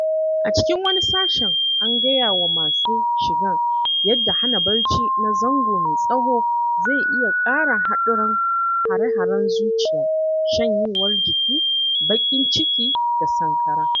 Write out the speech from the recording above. A cikin wani sashen, an gaya wa masu shigan yadda hana barci na zango mai tsawo zai iya ƙara haɗuran hare-haren zuciya, shanyewar jiki, baƙin ciki da sankara.